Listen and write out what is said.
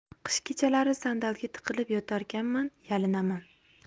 qish kechalari sandalga tiqilib yotarkanman yalinaman